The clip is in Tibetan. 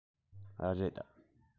རེད